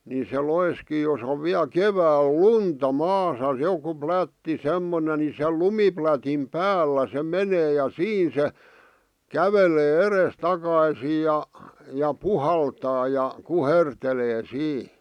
niin se loiskii jos on vielä keväällä lunta maassa joku plätti semmoinen niin se lumiplätin päällä se menee ja siinä se kävelee edestakaisin ja ja puhaltaa ja kuhertelee siinä